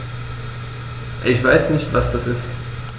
Ich weiß nicht, was das ist.